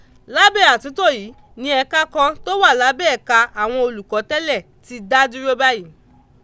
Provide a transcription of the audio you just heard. Lábẹ́ àtúntó yìí ni ẹ̀ka kan tó wà lábẹ́ ẹ̀ka àwọn olùkọ tẹ́lẹ̀ ti dá dúró báyìí.